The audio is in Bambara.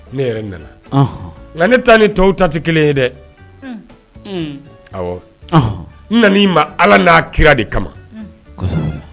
Ne yɛrɛ nana nka ne taa ni to ta tɛ kelen ye dɛ nan ma ala n'a kira de kama